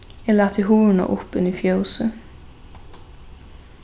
eg lati hurðina upp inn í fjósið